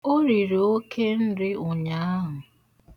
O riri oke nri ụnyaahụ.